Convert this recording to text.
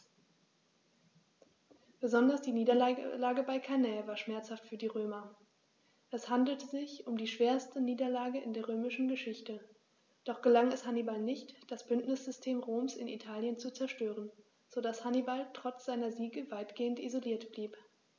Besonders die Niederlage bei Cannae war schmerzhaft für die Römer: Es handelte sich um die schwerste Niederlage in der römischen Geschichte, doch gelang es Hannibal nicht, das Bündnissystem Roms in Italien zu zerstören, sodass Hannibal trotz seiner Siege weitgehend isoliert blieb.